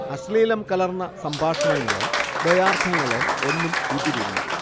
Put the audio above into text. അശ്ലീലം കലർന്ന സംഭാഷങ്ങളോ ദ്വയാർത്ഥങ്ങളോ ഒന്നും ഇതിലില്ല